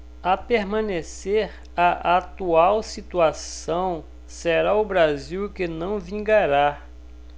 a permanecer a atual situação será o brasil que não vingará